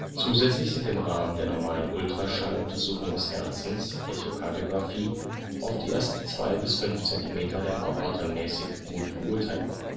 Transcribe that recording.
Zusätzlich sind im Rahmen der normalen Ultraschalluntersuchung des Herzens (Echokardiografie) oft die ersten zwei bis fünf Zentimeter der Aorta mäßig gut beurteilbar